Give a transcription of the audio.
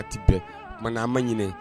Ti ma an ma ɲiniinɛ